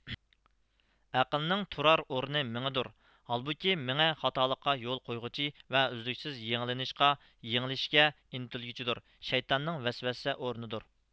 ئەقىلنىڭ تۇرار ئورنى مىڭىدۇر ھالبۇكى مېڭە خاتالىققا يول قويغۇچى ۋە ئۈزلۈكسىز يېڭىلىنىشقا يېڭىلىشكە ئىنتىلگۈچىدۇر شەيتاننىڭ ۋەسۋەسە ئورنىدۇر